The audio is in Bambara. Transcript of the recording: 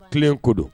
Tile ko don